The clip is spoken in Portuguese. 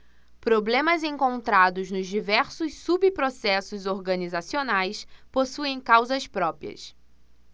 problemas encontrados nos diversos subprocessos organizacionais possuem causas próprias